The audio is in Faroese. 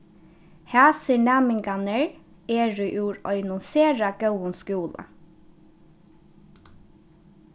hasir næmingarnir eru úr einum sera góðum skúla